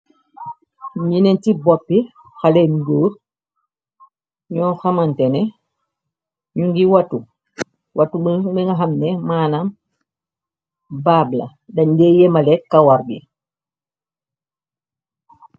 Nyenenti boppi xale nguur ñoo xamante ne ñu ngi wàtu watu mi nga xamne maanam baab la da njeeyemale kawar bi.